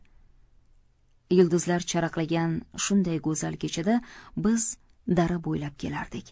yulduzlar charaqlagan shunday go'zal kechada biz dara bo'ylab kelardik